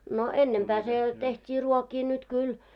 no ennempää se tehtiin ruokia nyt kyllä